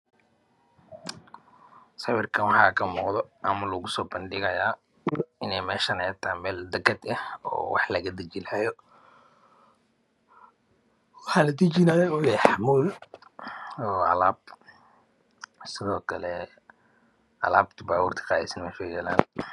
Sawirkan wax ka muuqdo ama laguSoo bandhigayaa iney meshaan ay tahy meel dagad eh oo wax laga dajinayo waxa la dajinayo uu yahy mooy oo alab Sido kale alabta baburta qadesay meshe yalaan